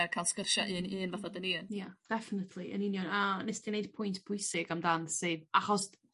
A ca'l sgyrsia un i un fatha 'dyn ni yn. Ia definitely yn union a nes ti neud pwynt pwysig amdan ti achos